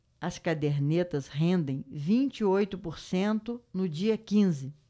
as cadernetas rendem vinte e oito por cento no dia quinze